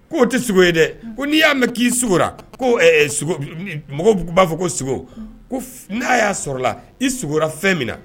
K' o tɛ sogo ye dɛ n'i y'a mɛn k'i sogo ko mɔgɔ b'a fɔ ko sogo n'a y'a sɔrɔ la i sogora fɛn min na